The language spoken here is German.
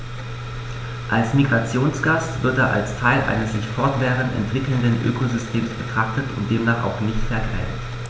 Als Migrationsgast wird er als Teil eines sich fortwährend entwickelnden Ökosystems betrachtet und demnach auch nicht vergrämt.